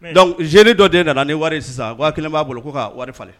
Mais . Donc jeune dɔ de nana ni wari ye sisan ,5000 b'a bolo, ko k'a wari falen.